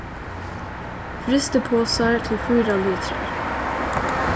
frystiposar til fýra litrar